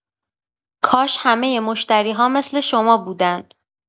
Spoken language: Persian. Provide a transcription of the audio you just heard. کاش همه مشتری‌ها مثل شما بودن.